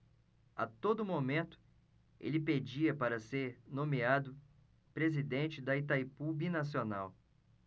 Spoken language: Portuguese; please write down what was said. a todo momento ele pedia para ser nomeado presidente de itaipu binacional